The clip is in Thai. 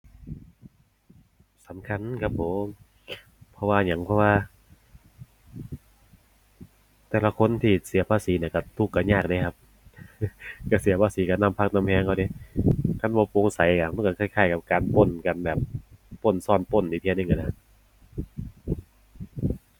สำคัญครับผม เพราะว่าหยัง เพราะว่า แต่ละคนที่เสียภาษีนี่ก็ทุกข์ก็ยากเดะครับ ก็เสียภาษีก็น้ำพักน้ำก็ก็เดะ คันบ่โปร่งใสก็มันก็คล้ายคล้ายกับการปล้นกันแบบ ปล้นซ้อนปล้นอีกเที่ยหนึ่งอะนะ